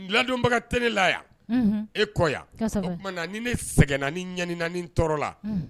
N diladonbaga tɛ ne la e kɔumana na ni ne sɛgɛnna ɲani naani tɔɔrɔ la